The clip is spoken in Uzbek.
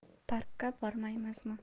parkka bormaymizmi